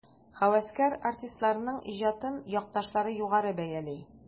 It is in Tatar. Һәвәскәр артистларның иҗатын якташлары югары бәяли.